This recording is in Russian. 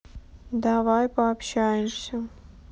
давай пообщаемся